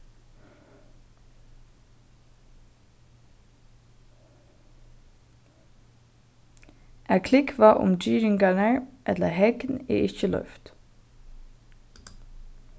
at klúgva um girðingarnar ella hegn er ikki loyvt